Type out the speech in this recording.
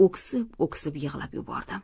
o'ksib o'ksib yig'lab yubordim